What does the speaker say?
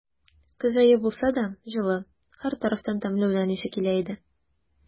Көз ае булса да, җылы; һәр тарафтан тәмле үлән исе килә иде.